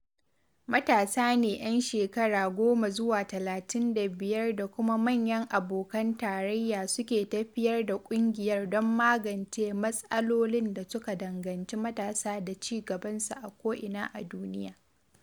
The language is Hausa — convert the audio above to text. Matasa ne 'yan shekara goma zuwa talatin da biyar da kuma manya abokan tarayya suke tafiyar da ƙungiyar don magance mas'alolin da suka danganci matasa da ci-gabansu a koina a duniya.